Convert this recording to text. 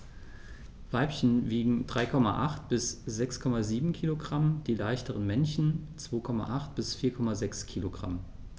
Weibchen wiegen 3,8 bis 6,7 kg, die leichteren Männchen 2,8 bis 4,6 kg.